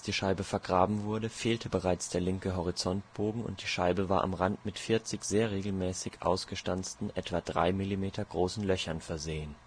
Scheibe vergraben wurde, fehlte bereits der linke Horizontbogen und die Scheibe war am Rand mit 40 sehr regelmäßig ausgestanzten, etwa 3 Millimeter großen Löchern versehen